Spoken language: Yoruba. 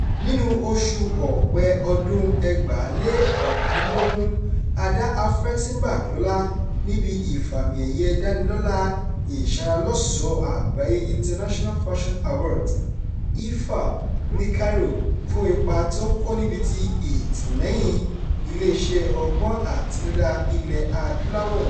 Nínú oṣù Ọ̀pẹ̀ ọdún-un 2019, a dá Afreximbank lọ́lá níbi Ìfàmìẹ̀yẹdánilọ́lá Ìṣaralọ́ṣọ̀ọ́ Àgbáyé International Fashion Awards (IFA) ní Cairo fún ipa tí ó ń kó níbi ti ìtìlẹ́yìn-in iléeṣẹ́ ọgbọ́n àtinudá Ilẹ̀-Adúláwọ̀.